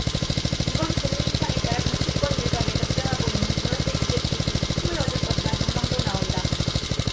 이번 금리인상에 따라 정치권 일각에서 주장하고 있는 전월세 규제책이 힘을 얻을 것이란 전망도 나온다